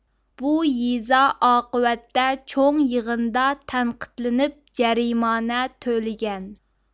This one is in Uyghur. بۇ يېزا ئاقىۋەتتە چوڭ يىغىندا تەنقىدلىنىپ جەرىمانە تۆلىگەن